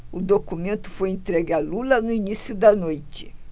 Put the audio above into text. o documento foi entregue a lula no início da noite